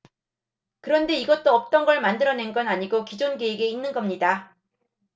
그런데 이것도 없던걸 만들어낸건 아니고 기존 계획에 있는 겁니다